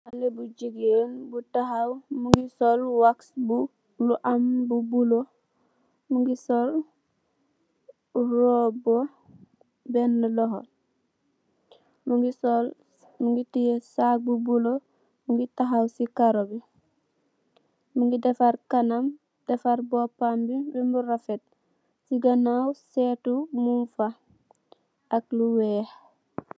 Khaleh bu gigeen munge takhaw sul wax lu am lu bulah munge teyeh saac bu bulah munge takhaw si karu bi munge dafar kanam bi ak bopam bi munge rafet si ganaw setu mung fa